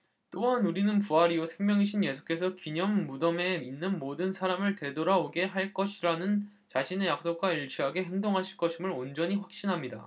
또한 우리는 부활이요 생명이신 예수께서 기념 무덤에 있는 모든 사람을 되돌아오게 할 것이라는 자신의 약속과 일치하게 행동하실 것임을 온전히 확신합니다